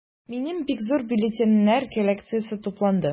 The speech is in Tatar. Минем бик зур бюллетеньнәр коллекциясе тупланды.